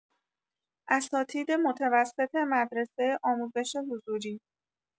اساتید متوسط مدرسه آموزش حضوری